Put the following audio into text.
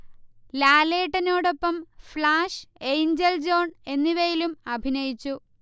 ലാലേട്ടനോടൊപ്പം Flash, Angel John എന്നിവയിലും അഭിനയിച്ചു